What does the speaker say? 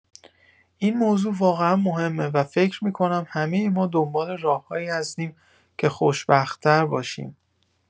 این موضوع واقعا مهمه و فکر می‌کنم همۀ ما دنبال راه‌هایی هستیم که خوشبخت‌تر باشیم.